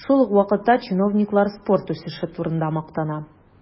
Шул ук вакытта чиновниклар спорт үсеше турында мактана.